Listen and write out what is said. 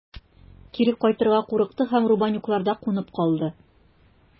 Кире кайтырга курыкты һәм Рубанюкларда кунып калды.